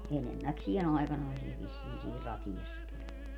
enemmäkseen aikanaisia vissiin siinä Ratiassakin oli